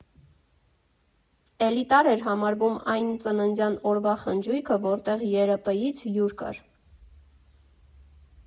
Էլիտար էր համարվում այն ծննդյան օրվա խնջույքը, որտեղ ԵրՊԻ֊ից հյուր կար։